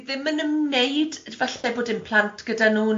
ddim yn ymwneud falle bod dim plant gyda nhw na dim